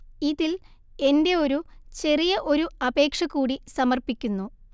ഇതിൽ എന്റെ ഒരു ചെറിയ ഒരു അപേക്ഷ കൂടി സമർപ്പിക്കുന്നു